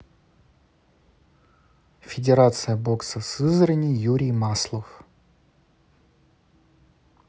федерация бокса сызрани юрий маслов